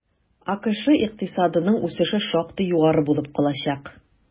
АКШ икътисадының үсеше шактый югары булып калачак.